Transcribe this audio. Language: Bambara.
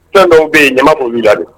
Fɛn dɔw bɛ yen ɲama b'olu la de